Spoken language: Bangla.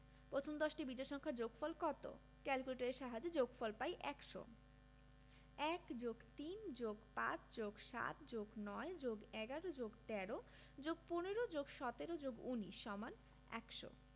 প্রথম দশটি বিজোড় সংখ্যার যোগফল কত ক্যালকুলেটরের সাহায্যে যোগফল পাই ১০০ ১+৩+৫+৭+৯+১১+১৩+১৫+১৭+১৯=১০০